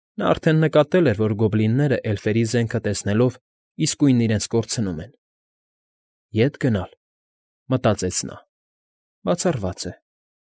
Նա արդեն նկատել էր, որ գոբլինները, էլֆերի զենքը տեսնելով, իսկույն իրենց կորցնում էին։ «Ե՞տ գնալ,֊ մտածեց նա։֊ Բացառված է։